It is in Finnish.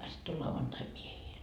sitten on lauantai miehillä